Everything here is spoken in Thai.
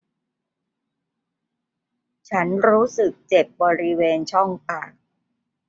ฉันรู้สึกเจ็บบริเวณช่องปาก